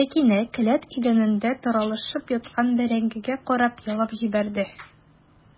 Сәкинә келәт идәнендә таралышып яткан бәрәңгегә карап елап җибәрде.